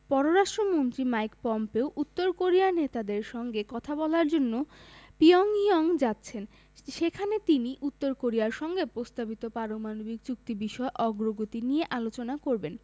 পররাষ্ট্রমন্ত্রী Mike Pompeo উত্তর কোরিয়ার নেতাদের সঙ্গে কথা বলার জন্য পিয়ংইয়ং যাচ্ছেন সেখানে তিনি উত্তর কোরিয়ার সঙ্গে প্রস্তাবিত পারমাণবিক চুক্তি বিষয়ে অগ্রগতি নিয়ে আলোচনা করবেন